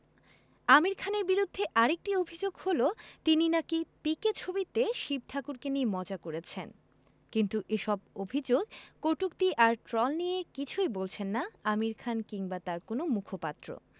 আমির খানের বিরুদ্ধে আরেকটি অভিযোগ হলো তিনি নাকি পিকে ছবিতে শিব ঠাকুরকে নিয়ে মজা করেছেন কিন্তু এসব অভিযোগ কটূক্তি আর ট্রল নিয়ে কিছুই বলছেন না আমির খান কিংবা তাঁর কোনো মুখপাত্র